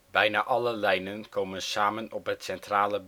Bijna alle lijnen komen samen op het centrale